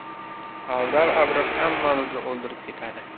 avrab avrab hammamizni o'ldirib ketadi